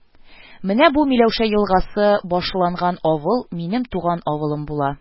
Менә бу Миләүшә елгасы башланган авыл минем туган авылым була